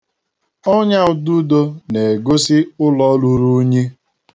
Ọnyà ududo na-egosi ụlọ ruru unyi.